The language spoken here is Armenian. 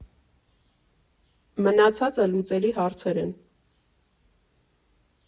Մնացածը լուծելի հարցեր են։